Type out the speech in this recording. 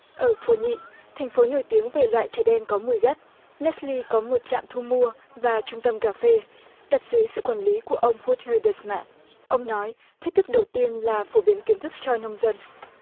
ở phổ nhị thành phố nổi tiếng về loại chè đen có mùi gắt nét li có một trạm thu mua và trung tâm cà phê đặt dưới sự quản lý của ông bút chơi đệt mện ông nói thách thức đầu tiên là phổ biến kiến thức cho nông dân